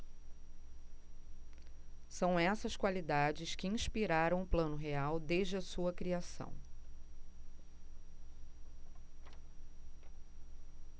são essas qualidades que inspiraram o plano real desde a sua criação